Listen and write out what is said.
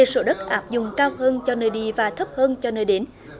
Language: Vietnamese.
về số đất áp dụng trong hưng cho nơi đi và thấp hơn cho người đến